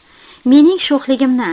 mening sho'xligimni